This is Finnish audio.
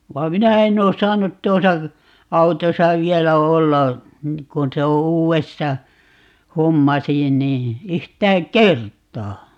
vaan minä en ole saanut tuossa autossa vielä olla kun se on uudesta hommasi niin yhtään kertaa